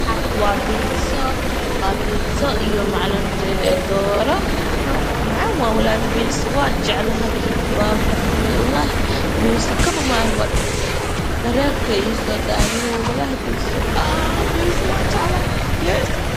Halkan waxaa yalo bisse iyo doro